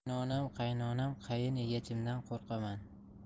qaynonam qaynonam qayin egachimdan qo'rqaman